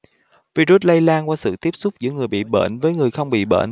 virus lây lan qua sự tiếp xúc giữa người bị bệnh với người không bị bệnh